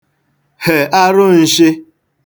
hè arụn̄shị̄